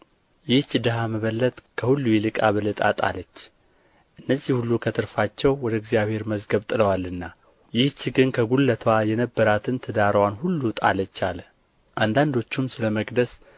ይህች ድሀ መበለት ከሁሉ ይልቅ አብልጣ ጣለች እነዚህ ሁሉ ከትርፋቸው ወደ እግዚአብሔር መዝገብ ጥለዋልና ይህች ግን ከጕድለትዋ የነበራትን ትዳርዋን ሁሉ ጣለች አለ አንዳንዶቹም ስለ መቅደስ